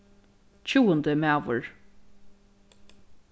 tjúgundi maður